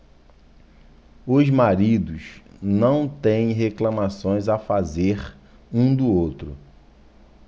os maridos não têm reclamações a fazer um do outro